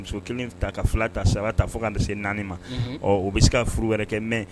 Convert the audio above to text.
Muso kelen ta ka fila ta saba ta fo ka tɛ se naani ma ɔ o bɛ se ka furu wɛrɛ kɛ mɛn